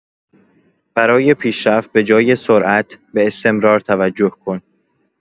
برای پیشرفت به‌جای سرعت، به استمرار توجه کن.